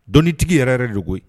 Don tigi yɛrɛ yɛrɛ dogo